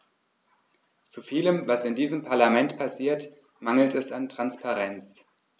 Zu vielem, was in diesem Parlament passiert, mangelt es an Transparenz.